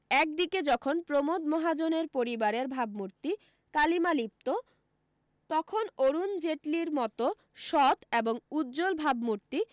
এক দিকে যখন প্রমোদ মহাজনের পরিবারের ভাবমূর্তি কালিমালিপত তখন অরুণ জেটলির মতো সত এবং উজ্জ্বল ভাবমূর্তি